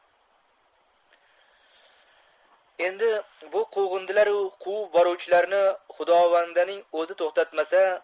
endi bu quvg'indilaru quvib boruvchilarni xudovandning o'zi to'xtatmasa